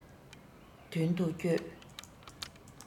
མདུན དུ བསྐྱོད